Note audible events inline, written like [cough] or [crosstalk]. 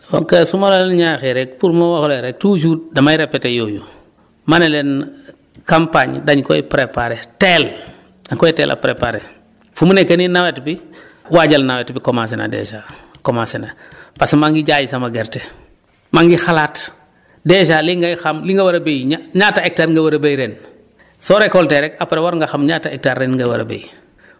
moom kay su ma leen ñaaxee rek poura ma wax leen rek toujours damay répéter yooyu man ne leen camapgne dañu koy préparer teel da nga koy teel a préparer fu mu nekk nii nawet bi [breath] waajal nawet bi commencé na dèjà commencé na [breath] parce que maa ngi jaay sama gerte maa ngi xalaat dèjà li ngay xam li nga war a béy ña ñaata hectare nga war a béy ren soo récolté rek après war nga xam ñaata hectare ren nga war a béy